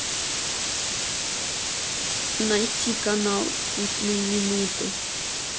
найти канал вкусные минуты